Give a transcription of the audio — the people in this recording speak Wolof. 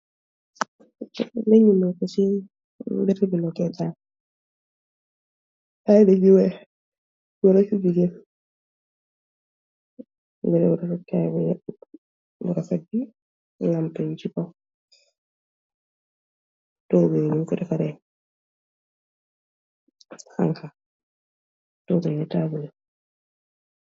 Nenj nyii yuu nehka ce behremi lehkeh kai bi, haleh bu goor ak kuu jigeen tokk ak ayyi toguu yung dehfareh ak hankaa.